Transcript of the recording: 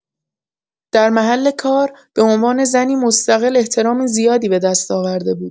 در محل کار، به عنوان زنی مستقل احترام زیادی به دست آورده بود.